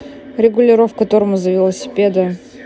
регулировка тормоза велосипеда